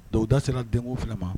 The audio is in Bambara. Dɔw da sera den fana ma